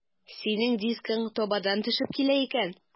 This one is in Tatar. Синең дискың табадан төшеп килә икән.